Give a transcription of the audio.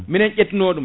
minen ƴettuno ɗum